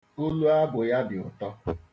Olu abụ ya dị ụtọ.